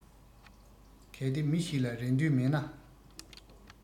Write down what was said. གལ ཏེ མི ཞིག ལ རེ འདུན མེད ན